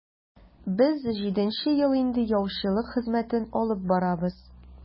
Без җиденче ел инде яучылык хезмәтен алып барабыз.